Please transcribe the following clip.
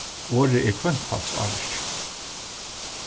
orðið er hvønnfalsávirki